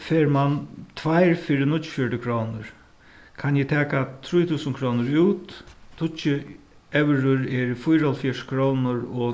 fær mann tveir fyri níggjuogfjøruti krónur kann eg taka trý túsund krónur út tíggju evrur eru fýraoghálvfjerðs krónur og